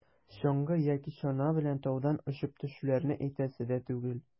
Чаңгы яки чана белән таудан очып төшүләрне әйтәсе дә түгел.